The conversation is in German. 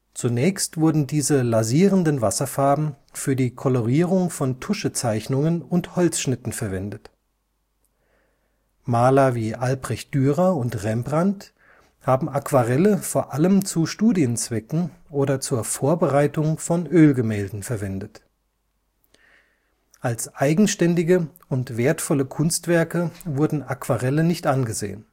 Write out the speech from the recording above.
Zunächst wurden diese lasierenden Wasserfarben für die Kolorierung von Tuschezeichnungen und Holzschnitten verwendet. Maler wie Albrecht Dürer und Rembrandt haben Aquarelle vor allem zu Studienzwecken oder zur Vorbereitung von Ölgemälden verwendet. Als eigenständige und wertvolle Kunstwerke wurden Aquarelle nicht angesehen